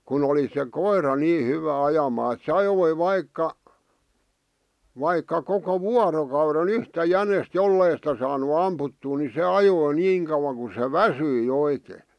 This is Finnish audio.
kun oli se koira niin hyvä ajamaan että se ajoi vaikka vaikka koko vuorokauden yhtä jänistä jos ei sitä saanut ammuttua niin se ajoi niin kauan kun se väsyi oikein